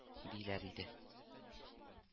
Диләр иде